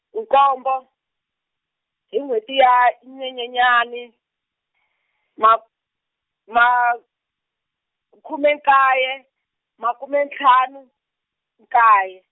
nkombo, hi nwheti ya Nyenyenyani , ma- ma- khume nkaye, makume ntlhanu, nkaye.